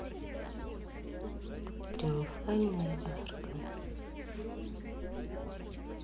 триумфальная арка